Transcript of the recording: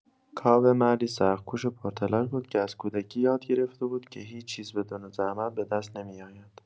کاوه مردی سخت‌کوش و پرتلاش بود که از کودکی یاد گرفته بود که هیچ‌چیز بدون زحمت به دست نمی‌آید.